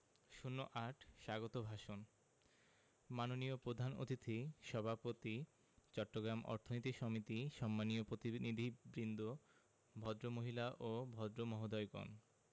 ০৮ স্বাগত ভাষণ মাননীয় প্রধান অতিথি সভাপতি চট্টগ্রাম অর্থনীতি সমিতি সম্মানীয় প্রতিনিধিবৃন্দ ভদ্রমহিলা ও ভদ্রমহোদয়গণ